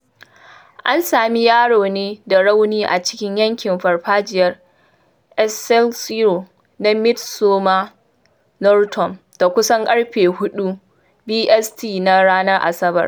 An sami yaron ne da raunin a cikin yankin Farfajiyar Excelsior na Midsomer Norton, da kusan ƙarfe 04:00 BST na ranar Asabar.